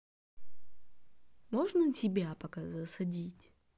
можно тебя пока засадить